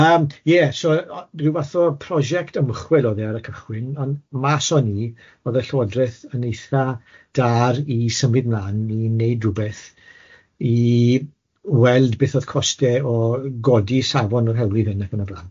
Yym ie, so ryw fath o prosiect ymchwil oedd e ar y cychwyn, ond mas o 'ny, o'dd y Llywodreth yn eitha dâr i symud mlan, i neud rwbeth, i weld beth o'dd coste o godi safon y rhewlydd hyn ac yn y blan.